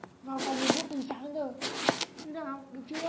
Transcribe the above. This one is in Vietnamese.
vào phòng ngồi viết từ sáng đến giờ như thế nào được chưa